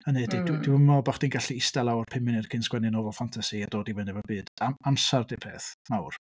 Hynny ydi... hmm. ...dwi dwi'm yn meddwl bod chdi'n gallu ista lawr pum munud cyn sgwennu'r novel fantasy a dod i fyny efo'r byd. Am- Amser 'di'r peth mawr.